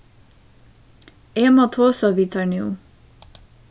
eg má tosa við teir nú